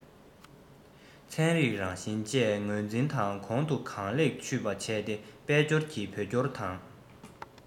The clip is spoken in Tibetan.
ཚན རིག རང བཞིན བཅས ངོས འཛིན དང ཁོང དུ གང ལེགས ཆུད པ བྱས ཏེ དཔལ འབྱོར གྱི བོད སྐྱོར དང